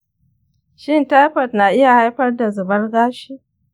shin typhoid na iya haifar da zubar gashi?